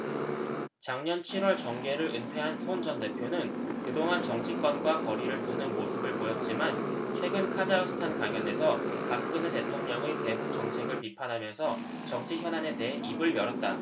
작년 칠 월 정계를 은퇴한 손 전 대표는 그동안 정치권과 거리를 두는 모습을 보였지만 최근 카자흐스탄 강연에서 박근혜 대통령의 대북정책을 비판하면서 정치현안에 대해 입을 열었다